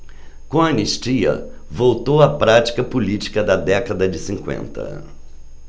com a anistia voltou a prática política da década de cinquenta